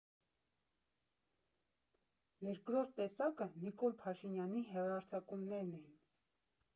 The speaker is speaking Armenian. Երկրորդ տեսակը Նիկոլ Փաշինյանի հեռարձակումներն էին։